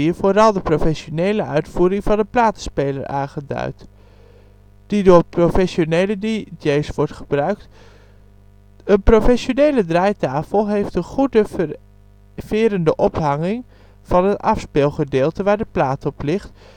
vooral de professionele uitvoering van een platenspeler aangeduid, die door professionele dj 's worden gebruikt. Een professionele draaitafel heeft een goede verende ophanging van het afspeelgedeelte (waar de plaat op ligt